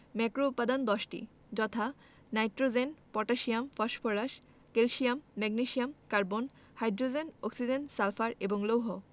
ম্যাক্রোউপাদান 10টি যথা nitrogen N potassium K phosphorus P calcium Ca magnesium Mg carbon C hydrogen H oxygen O sulphur S এবং লৌহ Fe